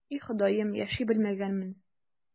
И, Ходаем, яши белмәгәнмен...